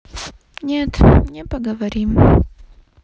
нет не поговорим